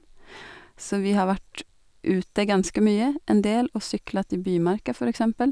Så vi har vært ute ganske mye en del, og syklet i bymarka, for eksempel.